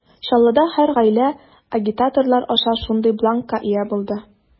Чаллыда һәр гаилә агитаторлар аша шундый бланкка ия булды.